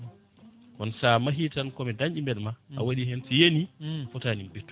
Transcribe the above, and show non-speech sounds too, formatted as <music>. kono sa maahi tan komi dañɗo mbeɗa maaha a waɗa hen so yanni <smacks lips> fotanima bettude